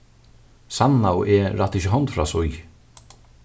sanna og eg rætta ikki hond frá síðu